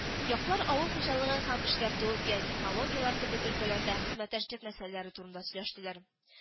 Яклар авыл хуҗалыгы һәм эшкәртү, биотехнологияләр кебек өлкәләрдә хезмәттәшлек мәсьәләләре турында сөйләштеләр